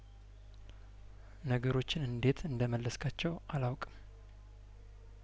ነገሮችን እንዴት እንደመለስ ካቸው አላውቅም